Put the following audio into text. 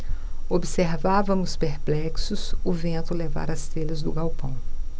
observávamos perplexos o vento levar as telhas do galpão